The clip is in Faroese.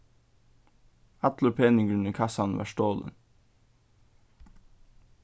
allur peningurin í kassanum varð stolin